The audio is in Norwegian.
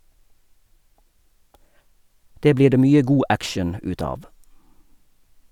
Det blir det mye god action ut av!